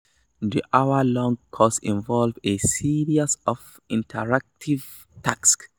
The hour long course involves a series of interactive tasks.